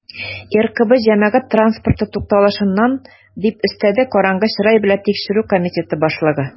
"ркб җәмәгать транспорты тукталышыннан", - дип өстәде караңгы чырай белән тикшерү комитеты башлыгы.